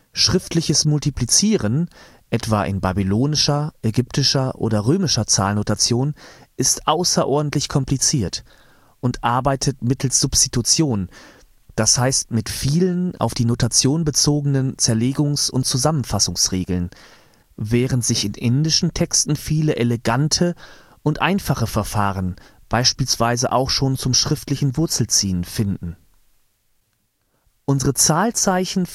Schriftliches Multiplizieren etwa in babylonischer, ägyptischer oder römischer Zahlnotation ist außerordentlich kompliziert und arbeitet mittels Substitution; d. h. mit vielen auf die Notation bezogenen Zerlegungs - und Zusammenfassungsregeln, während sich in indischen Texten viele „ elegante “und einfache Verfahren beispielsweise auch schon zum schriftlichen Wurzelziehen finden. Unsere Zahlzeichen